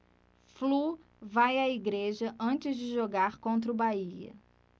flu vai à igreja antes de jogar contra o bahia